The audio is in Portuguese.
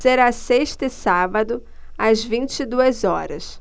será sexta e sábado às vinte e duas horas